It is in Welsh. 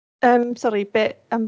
Ymm sori be? yym